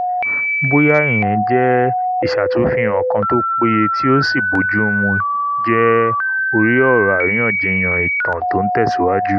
Bóyá ìyẹn jẹ ìsàtúnfihàn kan tó péye tí ó sì bójúmu jẹ́ orí ọ̀rọ̀ àríyànjiyàn ìtàn tó ńtẹ̀síwájú.